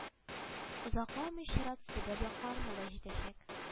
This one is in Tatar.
Озакламый чират себер якларына да җитәчәк